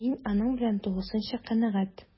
Мин аның белән тулысынча канәгать: